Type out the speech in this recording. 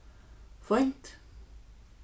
fínt